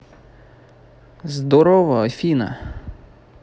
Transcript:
здорово афина